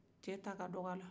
cɛ ta ka dɔgɔ a la